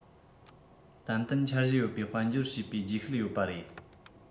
ཏན ཏན འཆར གཞི ཡོད པའི དཔལ འབྱོར བྱས པའི རྗེས ཤུལ ཡོད པ རེད